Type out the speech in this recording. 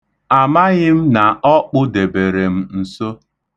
Amaghị m na ọ kpụdebere m nso.